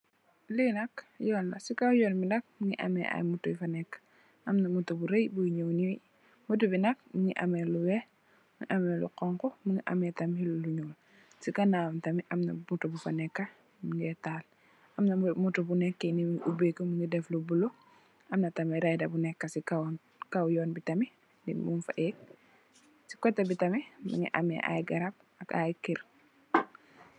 Li nak yoon la, ci kaw yoon bi nak, mungi ameh ay moto yu fa nekka. Amna moto bu rëy bu nëw ni, moto bi nak mungi ameh lu weeh, mungi ameh lo honku, mungi ameh tamit lu ñuul. Ci ganaawam tamit amna moto bu fa nekka mu ngè taal. Moto bu nekk ni mungi ubi ku mungi deff lu bulo, Amna tamit rëdda bu nekka ci kawam. Ci kaw yoon bi tamit nit mung fa dè. Ci kotè bi tamit mungi ameh ay garab ak ay kër.